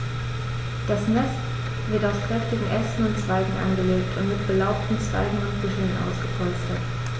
Das Nest wird aus kräftigen Ästen und Zweigen angelegt und mit belaubten Zweigen und Büscheln ausgepolstert.